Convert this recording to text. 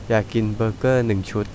อยากกินเบอร์เกอร์หนึ่งชุด